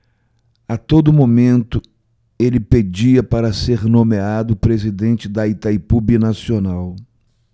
a todo momento ele pedia para ser nomeado presidente de itaipu binacional